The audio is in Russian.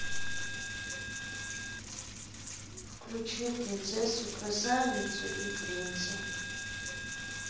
включи принцессу красавицу и принца